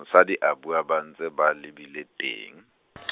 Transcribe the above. mosadi a bua ba ntse ba lebile teng .